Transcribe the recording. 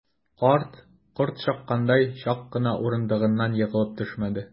Карт, корт чаккандай, чак кына урындыгыннан егылып төшмәде.